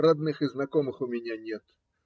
Родных и знакомых у меня нет.